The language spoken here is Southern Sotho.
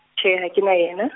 tjhe, ha ke ma yena.